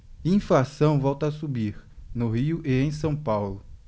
inflação volta a subir no rio e em são paulo